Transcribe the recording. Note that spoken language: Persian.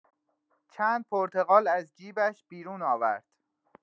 چند پرتقال از جیبش بیرون آورد.